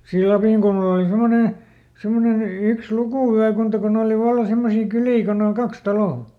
siinä Lapinkulmalla oli semmoinen semmoinen yksi lukuvyökunta kun oli vallan semmoisia kyliä kun on kaksi taloa